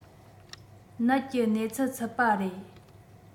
ནད ཀྱི གནས ཚུལ ཚུད པ རེད